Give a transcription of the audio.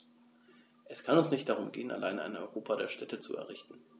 Es kann uns nicht darum gehen, allein ein Europa der Städte zu errichten.